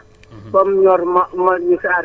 ak gàttax ak ñax